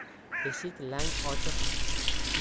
eshik lang ochiq